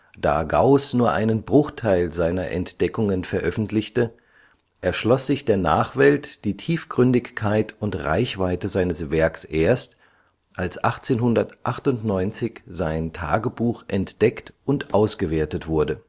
Da Gauß nur einen Bruchteil seiner Entdeckungen veröffentlichte, erschloss sich der Nachwelt die Tiefgründigkeit und Reichweite seines Werks erst, als 1898 sein Tagebuch (siehe unten) entdeckt und ausgewertet wurde